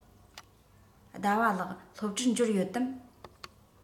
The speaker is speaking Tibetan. ཟླ བ ལགས སློབ གྲྭར འབྱོར ཡོད དམ